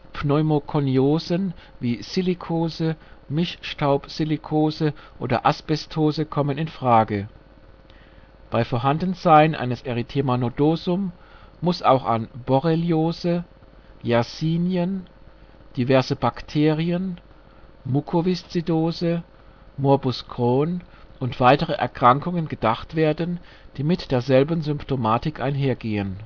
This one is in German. Pneumokoniosen wie Silikose, Mischstaubsilikose oder Asbestose kommen in Frage. Bei Vorhandensein eines Erythema nodosum muss auch an Borreliose, Yersinien, diverse Bakterien, Mukoviszidose, Morbus Crohn und weitere Erkrankungen gedacht werden, die mit derselben Symptomatik einhergehen